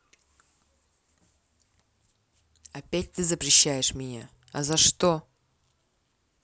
опять ты запрещаешь меня а за что